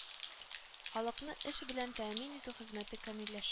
Халыкны эш белән тәэмин итү хезмәте камилләшә